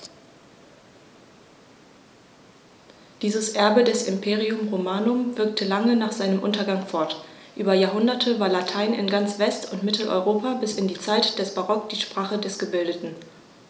Dieses Erbe des Imperium Romanum wirkte lange nach seinem Untergang fort: Über Jahrhunderte war Latein in ganz West- und Mitteleuropa bis in die Zeit des Barock die Sprache der Gebildeten.